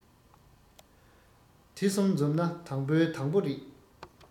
དེ གསུམ འཛོམས ན དང པོའི དང པོ རེད